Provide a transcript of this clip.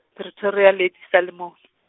Pretoria Lady Selbourne.